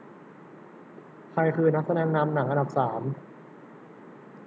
ใครคือนักแสดงนำหนังอันดับสาม